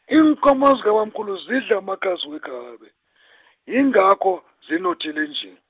iinkomo zikabamkhulu zidla amakhasi wekhabe , yingakho zinothile nje.